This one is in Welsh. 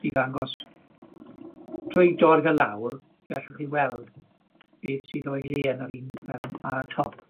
###i ddangos trwy dorri fe lawr, gallwch chi weld beth sydd o'i le yn yr un yym ar y top.